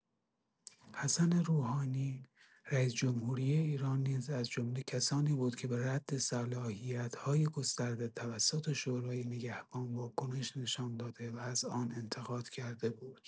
حسن روحانی رئیس‌جمهوری ایران نیز از جمله کسانی بود که به رد صلاحیت‌های گسترده توسط شورای نگهبان، واکنش نشان داده و از آن انتقاد کرده بود.